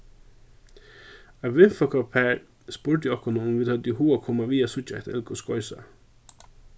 eitt vinfólkapar spurdi okkum um vit høvdu hug at koma við at síggja eitt eldgos goysa